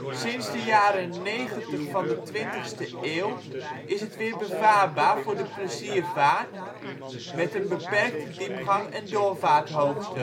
Sinds de jaren negentig van de twintigste eeuw is het weer bevaarbaar voor de pleziervaart met een beperkte diepgang en doorvaarthoogte